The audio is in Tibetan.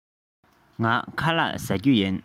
ངས ཁ ལག བཟས མེད